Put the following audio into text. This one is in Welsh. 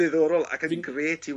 ddiddorol ac yn un grêt i...